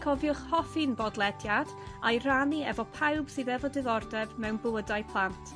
Cofiwch hoffi'n bodlediad a'i rhannu efo pawb sydd efo diddordeb mewn bywydau plant.